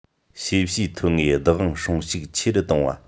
ཤེས བྱའི ཐོན དངོས བདག དབང སྲུང ཤུགས ཆེ རུ གཏོང བ